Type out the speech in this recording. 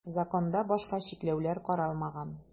Законда башка чикләүләр каралмаган.